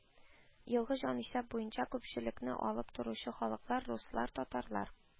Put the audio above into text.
Елгы җанисәп буенча күпчелекне алып торучы халыклар: руслар , татарлар